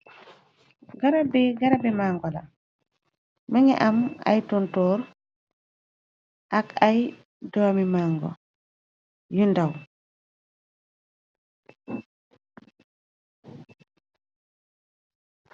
Garabbi garabi màngo la mëngi am ay tontoor ak ay doomi màngo yu ndaw.